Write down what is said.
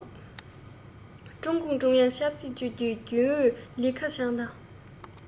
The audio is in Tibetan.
ཀྲུང གུང ཀྲུང དབྱང ཆབ སྲིད ཅུས ཀྱི རྒྱུན ཨུ ལི ཁེ ཆང དང